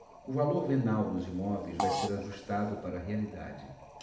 o valor venal dos imóveis vai ser ajustado para a realidade